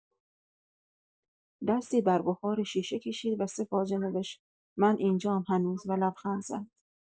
دستی بر بخار شیشه کشید و سه واژه نوشت: «من اینجام هنوز.» و لبخند زد.